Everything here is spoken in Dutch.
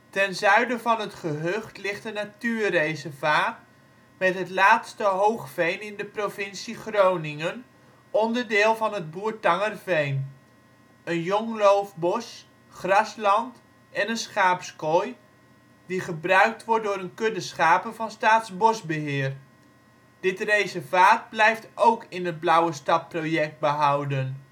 Ten zuiden van het gehucht ligt een natuurreservaat met het laatste hoogveen in de provincie Groningen (onderdeel van het Bourtangerveen), een jong loofbos, grasland en een schaapskooi, die gebruikt wordt door een kudde schapen van Staatsbosbeheer. Dit reservaat blijft ook in het Blauwestad-project behouden